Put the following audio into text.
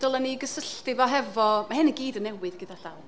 Dylen ni gysylltu fo hefo... ma' hyn i gyd yn newydd gyda llaw.